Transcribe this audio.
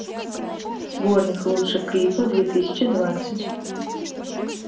сборник лучших клипов две тысячи двадцать